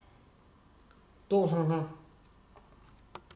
ལྟོགས ལྷང ལྷང